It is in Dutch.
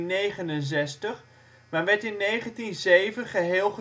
1766-1769, maar werd in 1907 geheel